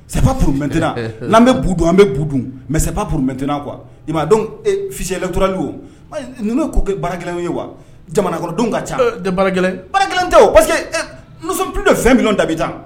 C'est pour maintenant n'an bɛ bu dun an bɛ bu dun mais c'est pas pour maintenant quoi i m'a ye donc ee fichier électoral o, ninnu ye ko kɛ baarakɛlaw ye wa?jamanakɔnɔdenw ka ca;E o tɛ baarakɛlaw ye; Baarakɛlaw tɛ o parce que nous sommes plus de 20 millions d'habitants